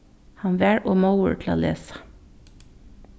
hann var ov móður til at lesa